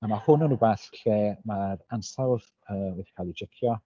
A ma' hwn yn rywbeth lle ma'r ansawdd yy wedi cael ei jecio.